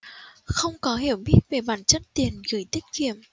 không có hiểu biết về bản chất tiền gửi tiết kiệm